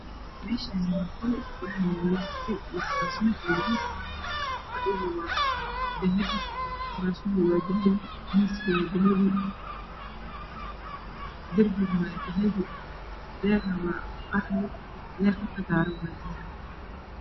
Meeshaan waa qol waxaa yaala fadhi iyo kuraasman iyo miis fadhiga waa dahabi kuraamanka waa dahabi miiska waa dahabi darbiga waa dahabi daaha waa qaxwi.